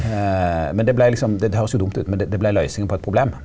men det blei liksom dette høyrest jo dumt ut men det det blei løysinga på eit problem.